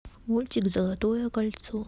мультик золотое кольцо